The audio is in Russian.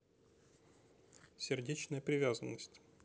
сердечная привязанность